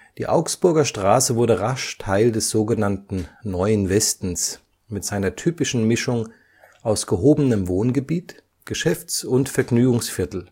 Die Augsburger Straße wurde rasch Teil des „ Neuen Westens “mit seiner typischen Mischung aus gehobenem Wohngebiet, Geschäfts - und Vergnügungsviertel